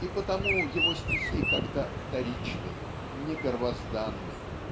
И потому его стихи как-то вторичны, не первозданны.